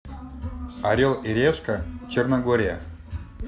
орел и решка черногория